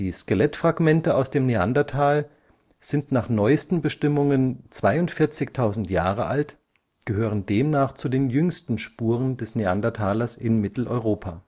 Skelettfragmente aus dem Neandertal sind nach neuesten Bestimmungen 42.000 Jahre alt, gehören demnach zu den jüngsten Spuren des Neandertalers in Mitteleuropa